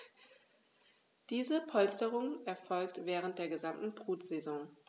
Diese Polsterung erfolgt während der gesamten Brutsaison.